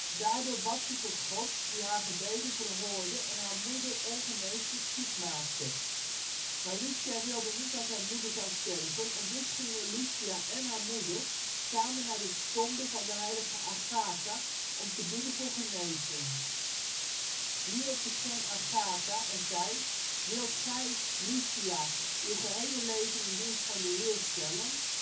Daardoor bad ze tot God die haar gebeden verhoorde en haar moeder ongeneeslijk ziek maakte. Maar Lucia wilde niet dat haar moeder zou sterven en dus gingen Lucia en haar moeder samen naar de tombe van de H. Agatha om te bidden voor genezing. Hierop verscheen Agatha en zei: " Wilt gij, Lucia, uw gehele leven in dienst van de Heer stellen